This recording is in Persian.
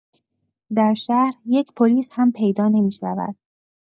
در شهر یک پلیس هم پیدا نمی‌شود.